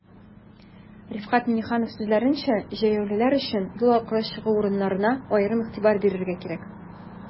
Рифкать Миңнеханов сүзләренчә, җәяүлеләр өчен юл аркылы чыгу урыннарына аерым игътибар бирергә кирәк.